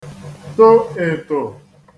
to ètò